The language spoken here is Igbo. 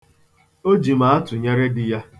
O ji m atụnyere di ya.